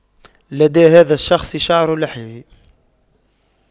لدى هذا الشخص شعر لحيه